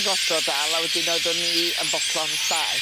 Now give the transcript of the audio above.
...godro dal a wedyn oeddwn i yn botlo'r llaeth.